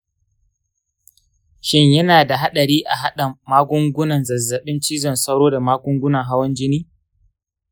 shin yana da haɗari a haɗa magungunan zazzabin cizon sauro da magungunan hawan jini?